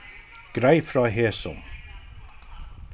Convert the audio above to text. greið frá hesum